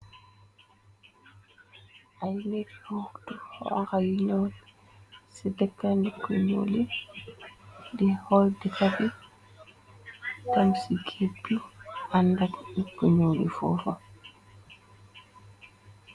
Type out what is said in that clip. ay lee fotu xnga yu ñoo ci dëkka nikku ñuoli di xal di xafi tam ci géeb bi àndak nikku ñooli foofa